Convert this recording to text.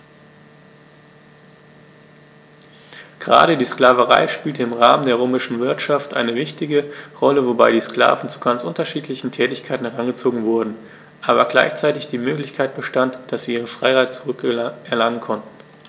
Gerade die Sklaverei spielte im Rahmen der römischen Wirtschaft eine wichtige Rolle, wobei die Sklaven zu ganz unterschiedlichen Tätigkeiten herangezogen wurden, aber gleichzeitig die Möglichkeit bestand, dass sie ihre Freiheit zurück erlangen konnten.